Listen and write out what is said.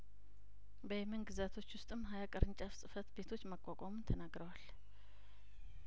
በየመን ግዛቶች ውስጥም ሀያቅርንጫፍ ጽህፈት ቤቶች ማቋቋሙን ተናግረዋል